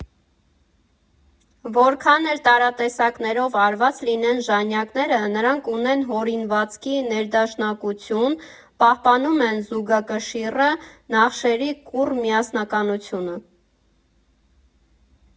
Որքան էլ տարատեսակներով արված լինեն ժանյակները, նրանք ունեն հորինվածքի ներդաշնակություն, պահպանում են զուգակշիռը, նախշերի կուռ միասնականությունը։